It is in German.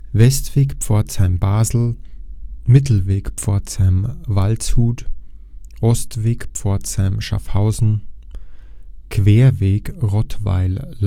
Westweg Pforzheim – Basel Mittelweg Pforzheim-Waldshut Ostweg Pforzheim-Schaffhausen Querweg Rottweil-Lahr